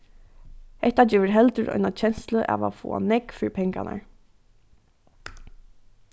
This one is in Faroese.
hetta gevur heldur eina kenslu av at fáa nógv fyri pengarnar